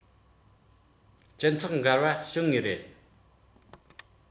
སྤྱི ཚོགས འགལ བ བྱུང ངེས རེད